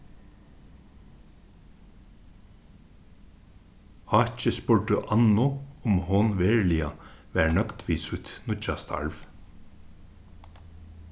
áki spurdi annu um hon veruliga var nøgd við sítt nýggja starv